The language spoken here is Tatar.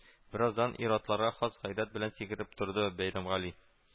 Бераздан ир-атларга хас гайрәт белән сикереп торды Бәйрәмгали